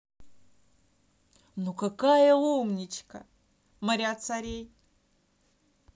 ну какая умничка моря царей